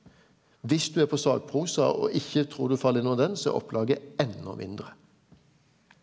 viss du er på sakprosa og ikkje trur du fell inn under den så er opplaget ennå mindre.